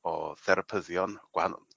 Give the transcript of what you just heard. o therapyddion gwahanol